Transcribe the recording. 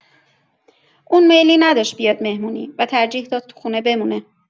اون میلی نداشت بیاد مهمونی و ترجیح داد تو خونه بمونه.